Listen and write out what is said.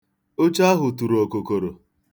Oche ahụ tụrụ òkùkòrò.